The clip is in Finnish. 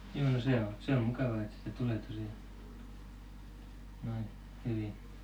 joo no se on se on mukavaa että sitä tulee tosiaan noin hyvin